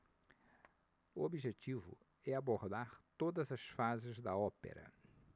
o objetivo é abordar todas as fases da ópera